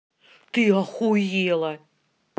ты охуела